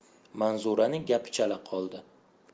manzuraning gapi chala qoldi